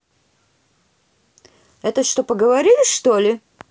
это что поговорили что ли